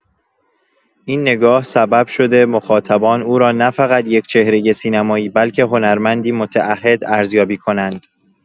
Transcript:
این نگاه سبب شده مخاطبان، او را نه‌فقط یک چهره سینمایی، بلکه هنرمندی متعهد ارزیابی کنند.